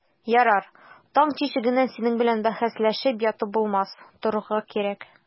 Ярар, таң тишегеннән синең белән бәхәсләшеп ятып булмас, торырга кирәк.